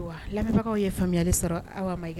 Wa lamɛnbagaw ye faamuyali sɔrɔ Awa Mayiga.